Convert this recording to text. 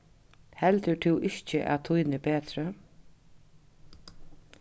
heldur tú ikki at tín er betri